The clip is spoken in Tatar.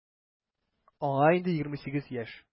Аңа инде 28 яшь.